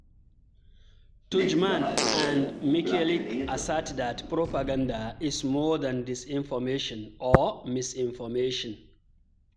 Tudjman and Mikelic assert that propaganda is much more than disinformation or misinformation.